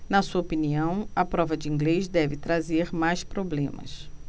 na sua opinião a prova de inglês deve trazer mais problemas